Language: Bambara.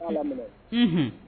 H